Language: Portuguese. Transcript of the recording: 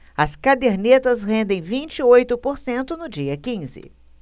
as cadernetas rendem vinte e oito por cento no dia quinze